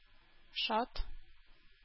Шат